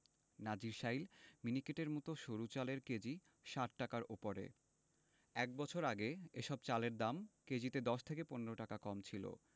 নাজিরশাইল মিনিকেটের মতো সরু চালের কেজি ৬০ টাকার ওপরে এক বছর আগে এসব চালের দাম কেজিতে ১০ থেকে ১৫ টাকা কম ছিল